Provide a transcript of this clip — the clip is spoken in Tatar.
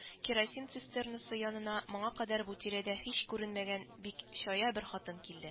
Керосин цистернасы янына моңа кадәр бу тирәдә һич күренмәгән бик чая бер хатын килде